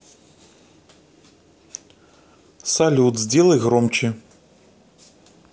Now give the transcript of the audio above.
салют сделай громче